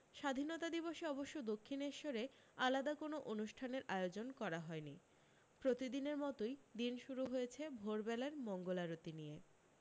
স্বাধীনতা দিবসে অবশ্য দক্ষিণেশ্বরে আলাদা কোনও অনুষ্ঠানের আয়োজন করা হয়নি প্রতিদিনের মতোই দিন শুরু হয়েছে ভোরবেলার মঙ্গলারতি নিয়ে